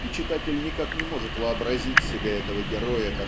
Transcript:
и читатель никак не может вообразить себе этого героя